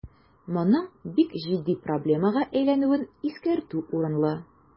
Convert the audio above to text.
Моның бик җитди проблемага әйләнүен искәртү урынлы.